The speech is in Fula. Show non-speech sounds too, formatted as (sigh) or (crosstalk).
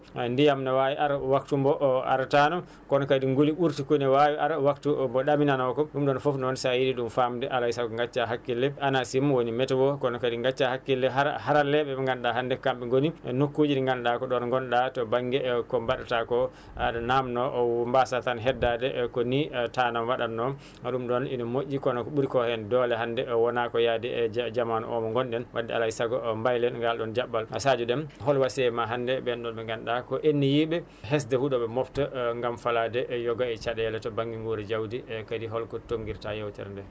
ndiaym ne wawi ara waktu mo aratano kono kadi nguuli ɓurtuki ne wawi ara waktu mo ɗaminanoka foof ɗum ɗon foof noon sa yiiɗi ɗum famde alaysago gacca hakkille ANACIM woni météo kono kadi gacca hakkille (hesitation) haralleɓe ɓe ganduɗa hannde ko kamɓe gooni e nokkuji ɗi ganduɗa ko ɗon gonɗa to banŋnge ko mbaɗata ko aɗa namdo mbassa tan heddade ko ni tanam waɗanno ɗum ɗon ene moƴƴi kono ko ɓuuri ko heen doole hannde wona ko haadi e jamanu o mo gonɗen wadde alaysago mbaylen ngal ɗon jaɓɓal Sadio Déme hol wasiya ma hannde ɓen ɗon ɓe ganduɗa ko anniyiɓe heesde huuɗo ɓe mofta gaam falade yooga e caɗele to banŋnge nguura jawdi e kadi holko tonggirta yewtere nde